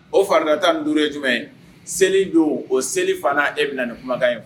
O faririnta 15 ye jumɛnye ? seli don, o seli fana e bɛna ni kumakan in